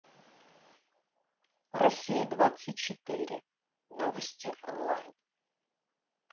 россия двадцать четыре новости онлайн